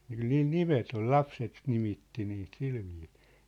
kyllä niillä nimet oli lapset nimitti niitä sillä viisiin